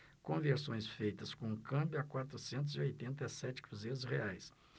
conversões feitas com câmbio a quatrocentos e oitenta e sete cruzeiros reais